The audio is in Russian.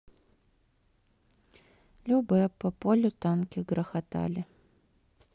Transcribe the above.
любэ по полю танки грохотали